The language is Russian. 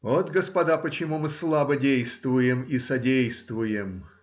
Вот, господа, почему мы слабо действуем и содействуем.